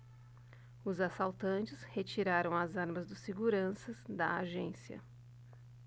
os assaltantes retiraram as armas dos seguranças da agência